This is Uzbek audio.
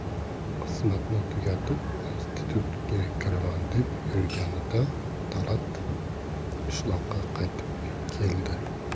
xizmatni tugatib institutga kiraman deb yurganida talat qishloqqa qaytib keldi